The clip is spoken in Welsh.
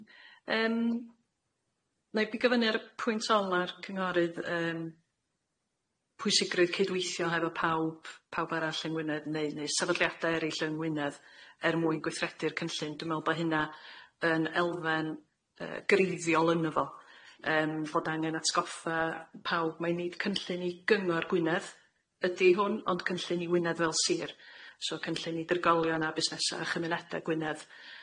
Yym, 'nai bigo fyny ar y pwynt ol ar cynghorydd yym, pwysigrwydd cydweithio hefo pawb pawb arall yng Ngwynedd neu neu sefydliade eryll yng Ngwynedd er mwyn gweithredu'r cynllun dwi me'wl bo' hynna yn elfen yy greiddiol ynddo fo yym fod angen atgoffa pawb mae nid cynllun i gyngor Gwynedd ydi hwn ond cynllun i Wynedd fel Sir so cynllun i dirgolion a busnesa a chymuneda Gwynedd.